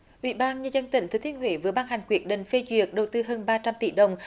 ủy ban nhân dân tỉnh thừa thiên huế vừa ban hành quyết định phê duyệt đầu tư hơn ba trăm tỷ đồng